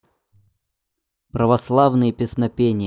православные песнопения